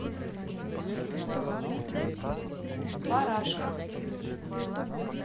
барашка